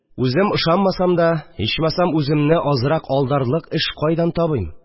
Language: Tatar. Үзем ышанмасам да, ичмасам, үземне азрак алдарлык эш кайдан табыйм